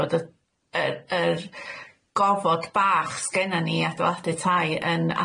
bod y y yr gofod bach sgenna ni i adeiladu tai yn